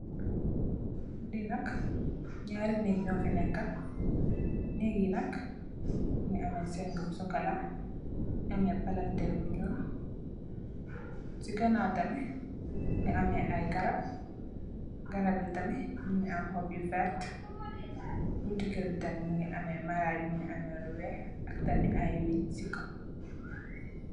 Lii nak njaari nehgg njur fii neka, nehggi nak mungy ameh sehngu bu chocolat, ameh palanterre bu njull, cii ganaw tamit ameh aiiy garab, garabi tamit mungy ameh hohbb yu vert, bunti kerr bii tamit mungy ameh lu wekh ak tamit aiiy weungh cii kaw.